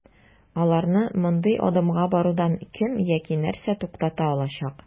Аларны мондый адымга барудан кем яки нәрсә туктата алачак?